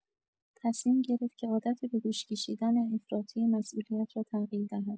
تصمیم گرفت که عادت به دوش کشیدن افراطی مسئولیت را تغییر دهد.